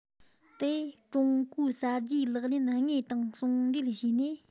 དེ ཀྲུང གོའི གསར བརྗེའི ལག ལེན དངོས དང ཟུང འབྲེལ བྱས ནས